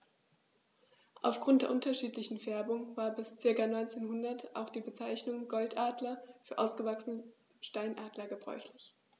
Auf Grund der unterschiedlichen Färbung war bis ca. 1900 auch die Bezeichnung Goldadler für ausgewachsene Steinadler gebräuchlich.